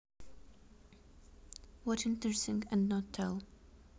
what interesting and not tell